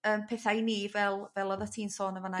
yym pethai ni fel fel oddat ti'n sôn yn fan 'na.